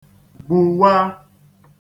gbùwa